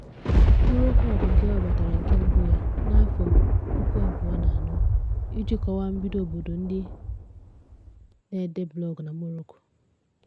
Mkpụrụ okwu a bụ nke e webatara nke mbụ ya na 2004 iji kọwaa mbido obodo ndị na-ede blọọgụ na Morocco.